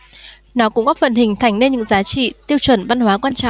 nó cũng góp phần hình thành nên những giá trị tiêu chuẩn văn hóa quan trọng